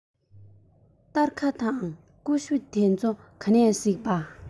སྟར ཁ དང ཀུ ཤུ དེ ཚོ ག ནས གཟིགས པ